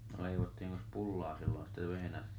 no leivottiinkos pullaa silloin sitten -